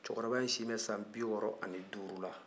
cɛkɔrɔba in si bɛ san biwɔɔrɔ ni duuru la